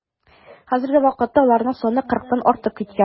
Хәзерге вакытта аларның саны кырыктан артып киткән.